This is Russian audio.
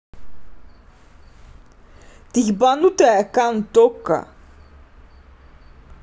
ты ебанутая аккаунт okko